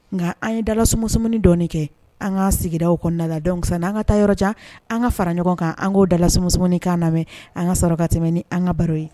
Nka an ye dalalasumuni dɔ kɛ an k' sigiw kɔnɔna dala la dɔnsan' an ka taa yɔrɔ jan an ka fara ɲɔgɔn kan an'o dalaumuni kan na lamɛn an ka sɔrɔ ka tɛmɛn ni an ka baro ye